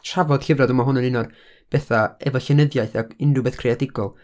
Trafod llyfrau, dwi meddwl ma' hwn yn un o'r pethau, efo llenyddiaeth ac unrhyw beth creadigol.